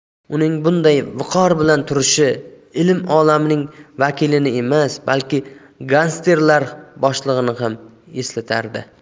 uning bunday viqor bilan turishi ilm olamining vakilini emas balki gangsterlar boshlig'ini eslatardi